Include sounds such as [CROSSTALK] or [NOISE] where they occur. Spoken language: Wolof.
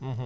[HESITATION] [HESITATION]